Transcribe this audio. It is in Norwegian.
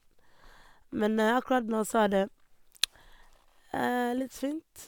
Men akkurat nå så er det litt fint.